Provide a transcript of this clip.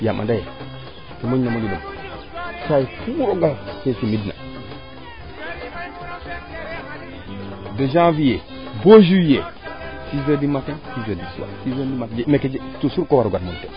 yaam andaaye ke moƴna moƴo ɗom saayfu roog fee simid na de janvier bo juin 6 heure du matin 6 heure du matin toujours ko waro gar meeke